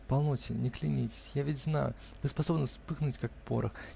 -- Полноте, не клянитесь, я ведь знаю, вы способны вспыхнуть как порох.